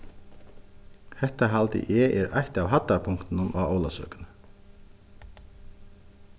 hetta haldi eg er eitt av hæddarpunktunum á ólavsøkuni